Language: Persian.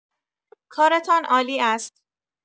کارتان عالی است!